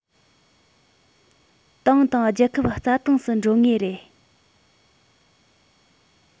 ཏང དང རྒྱལ ཁབ རྩ སྟོངས སུ འགྲོ ངེས རེད